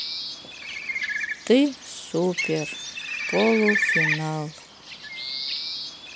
ты супер полуфинал